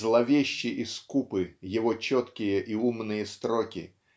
зловещи и скупы его четкие и умные строки